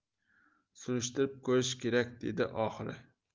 surishtirib ko'rish kerak dedi oxiri